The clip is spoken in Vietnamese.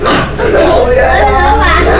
ui da đau oh xin lỗi bà